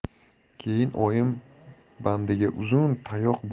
keyin oyim bandiga uzun tayoq